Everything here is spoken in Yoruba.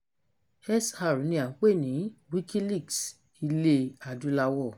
SR ni à ń pè ní Wikileaks Ilé Adúláwọ̀.